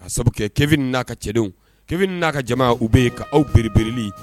Ka sabu kɛ kep n'a ka cɛdenw ke n' aa ka jama u bɛ yen'aw biere-bri